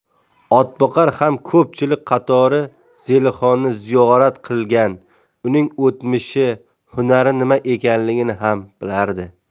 otboqar ham ko'pchilik qatori zelixonni ziyorat qilgan uning o'tmishi hunari nima ekanini ham bilardi